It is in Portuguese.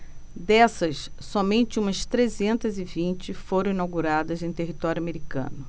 dessas somente umas trezentas e vinte foram inauguradas em território americano